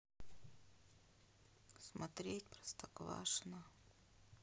смотреть простоквашино